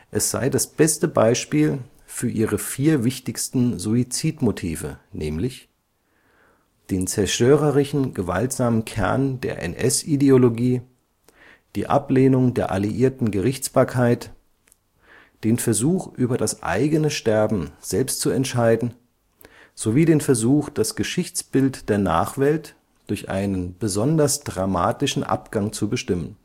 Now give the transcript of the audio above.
Es sei das beste Beispiel für ihre vier wichtigsten Suizidmotive: den zerstörerischen gewaltsamen Kern der NS-Ideologie, die Ablehnung der alliierten Gerichtsbarkeit, den Versuch, über das eigene Sterben selbst zu entscheiden sowie den Versuch, das Geschichtsbild der Nachwelt durch einen besonders dramatischen Abgang zu bestimmen